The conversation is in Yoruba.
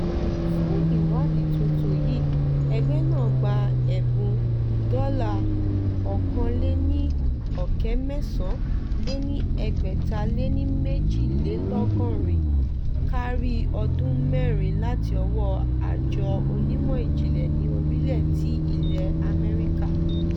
Fún ìwádìí tuntun yìí ẹgbẹ́ náà gba ẹ̀bùn $181,682 kárí ọdún mẹ́rin láti ọwọ́ Àjọ Onímọ̀-ìjìnlẹ̀ ní Orílẹ̀ ti ilẹ̀ Amẹ́ríkà.